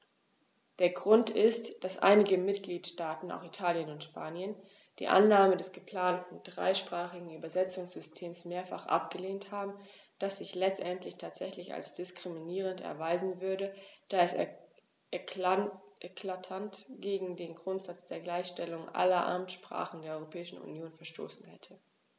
Der Grund ist, dass einige Mitgliedstaaten - auch Italien und Spanien - die Annahme des geplanten dreisprachigen Übersetzungssystems mehrfach abgelehnt haben, das sich letztendlich tatsächlich als diskriminierend erweisen würde, da es eklatant gegen den Grundsatz der Gleichstellung aller Amtssprachen der Europäischen Union verstoßen hätte.